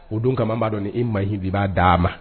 O don kama, anw b'a dɔn e maï maa ye bi b'a d'a ma.